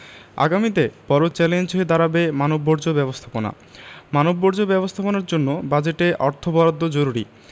আগামীতে বড় চ্যালেঞ্জ হয়ে দাঁড়াবে মানববর্জ্য ব্যবস্থাপনা মানববর্জ্য ব্যবস্থাপনার জন্য বাজেটে অর্থ বরাদ্দ জরুরি